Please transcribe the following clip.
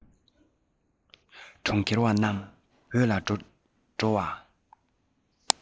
གྲོང ཁྱེར བ རྣམས བོད ལ འགྲོ བ